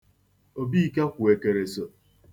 Obika kwụ ekereso.